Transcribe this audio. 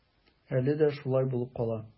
Әле дә шулай булып кала.